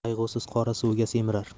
qayg'usiz qora suvga semirar